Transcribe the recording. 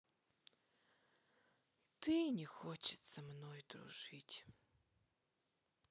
ты не хочется мной дружить